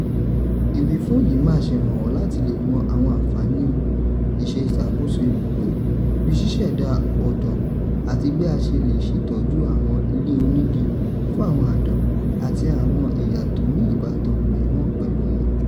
Ìwífúnni yì máa ṣèrànwọ́ láti le mọ àwọn àǹfààní iṣẹ́ ìṣàkóso ibùgbé bíi ṣíṣẹ̀dá ọ̀dàn àti bí a ṣe le ṣètọ́jú àwọn ilẹ̀ onígí fún àwọn àdán àti àwọn ẹ̀yà tó ní ìbátán míràn pẹ̀lú wọn.